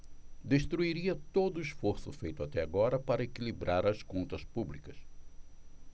destruiria todo esforço feito até agora para equilibrar as contas públicas